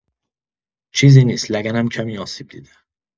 چیزی نیست لگنم کمی آسیب‌دیده!